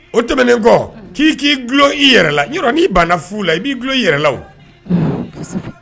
O tɛmɛnenkɔ k'i k'i dulo i yɛrɛ la n'i banna' la i b'i dulo i yɛrɛ la o